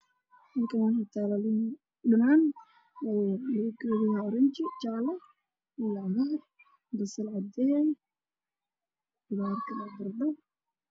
Waa liin midabkeedii yahay jaalo oo ku jirto weel